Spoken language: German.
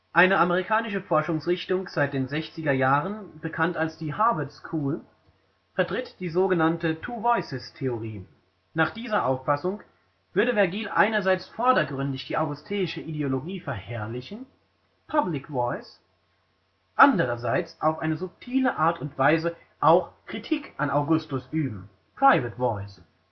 Eine amerikanische Forschungsrichtung seit den 60er Jahren, bekannt als die Harvard School, vertritt die sogenannte Two-voices-Theorie. Nach dieser Auffassung würde Vergil einerseits vordergründig die augusteische Ideologie verherrlichen (public voice), andererseits auf eine subtile Art und Weise auch Kritik an Augustus üben (private voice